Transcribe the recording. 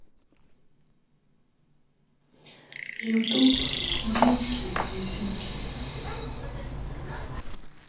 ютуб детские песенки